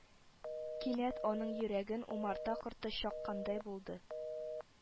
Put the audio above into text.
Кинәт аның йөрәген умарта корты чаккандай булды